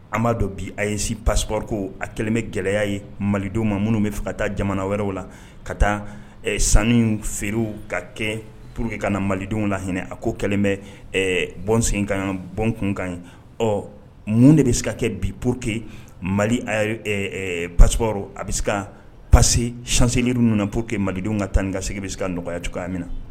An b'a dɔn bi a yesin pasp ko a kɛlen bɛ gɛlɛyaya ye malidenw ma minnu bɛ fɛ ka taa jamana wɛrɛw la ka taa sanu feere ka kɛ pur que ka na malidenw la hinɛinɛ a ko kɛlen bɛ bɔn sen ka bɔn kunkan ye ɔ mun de bɛ se ka kɛ bi pur que mali pasro a bɛ se ka pase sanseeli nana po que malidenw ka tan ka segin bɛ se ka nɔgɔyaya cogoya min na